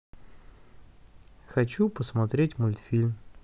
хочу посмотреть мультфильм